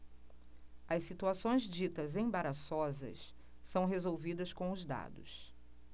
as situações ditas embaraçosas são resolvidas com os dados